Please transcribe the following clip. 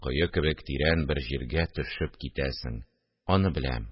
Кое кебек тирән бер җиргә төшеп китәсең – аны беләм